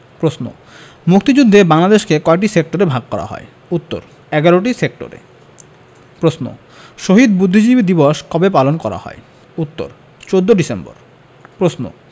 প্রশ্ন মুক্তিযুদ্ধে বাংলাদেশকে কয়টি সেক্টরে ভাগ করা হয় উত্তর ১১টি সেক্টরে প্রশ্ন শহীদ বুদ্ধিজীবী দিবস কবে পালন করা হয় উত্তর ১৪ ডিসেম্বর প্রশ্ন